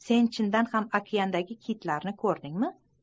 sen chindan ham okeandagi kitlarni ko'rdingmi